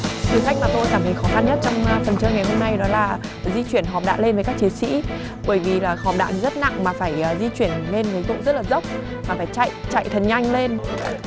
thử thách mà tôi cảm thấy khó khăn nhất trong phần chơi ngày hôm nay đó là di chuyển hòm đạn lên với các chiến sĩ bởi vì là hòm đạn rất nặng mà phải di chuyển lên cái độ rất là dốc và phải chạy chạy thật nhanh lên